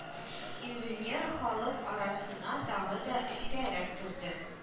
Инженер халык арасына тагы да эчкәрәк керде